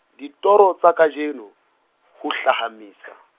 ditoro tsa kajeno, ho ho nyahamisa.